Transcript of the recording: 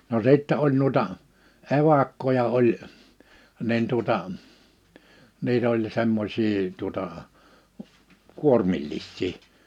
no sitten oli noita evakkoja oli niin tuota niitä oli semmoisia tuota kuormillisia